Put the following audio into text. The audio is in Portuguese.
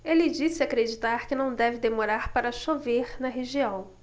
ele disse acreditar que não deve demorar para chover na região